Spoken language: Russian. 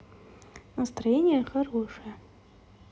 настроение хорошее